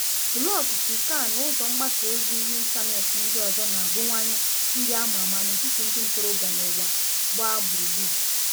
Blọọgụ, Flickr na ụzọ mgbasa ozi n'ịntanetị ndị ọzọ na-abụwanye ndị àmà àmá n'etiti ndị ntorobịa n'ụwa gbaa gburugburu.